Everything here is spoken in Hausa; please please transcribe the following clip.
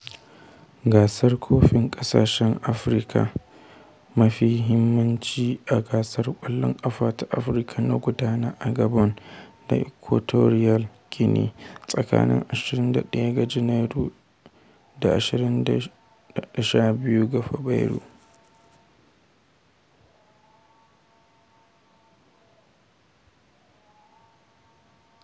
Gasar Kofin Ƙasashen Afirka, mafi muhimmanci a gasar ƙwallon ƙafa ta Afirka, na gudana a Gabon da Equatorial Guinea tsakanin 21 ga Janairu daa 12 ga Fabrairu.